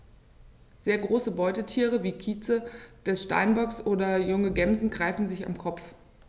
Sehr große Beutetiere wie Kitze des Steinbocks oder junge Gämsen greifen sie am Kopf.